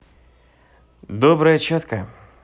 доброе четко